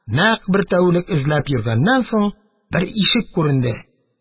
Нәкъ бер тәүлек эзләп йөргәннән соң, бер ишек күренде.